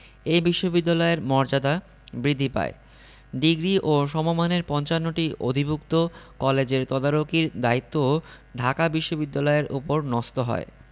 এ বিশ্ববিদ্যালয়ের মর্যাদা বৃদ্ধি পায় ডিগ্রি ও সমমানের ৫৫টি অধিভুক্ত কলেজের তদারকির দায়িত্বও ঢাকা বিশ্ববিদ্যালয়ের ওপর ন্যস্ত হয়